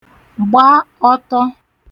gba ọtọ